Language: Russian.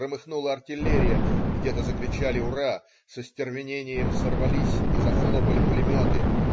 Громыхнула артиллерия, где-то закричали "ура", с остервенением сорвались и захлопали пулеметы.